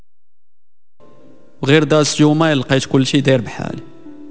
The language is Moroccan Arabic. غير درس يوم الخميس كل شيء لحالي